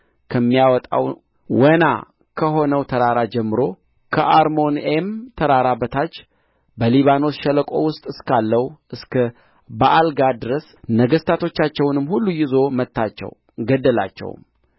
ከሚያወጣው ወና ከሆነው ተራራ ጀምሮ ከአርሞንዔም ተራራ በታች በሊባኖስም ሸለቆ ውስጥ እስካለው እስከ በኣልጋድ ድረስ ነገሥታቶቻቸውንም ሁሉ ይዞ መታቸው ገደላቸውም